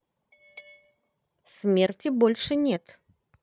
смерти больше нет